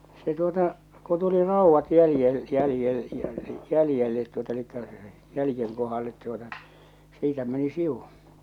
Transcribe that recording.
se tuota kun tuli raudat -- jäljelle tuota eli jäljen kohdalle tuota siitä meni sivu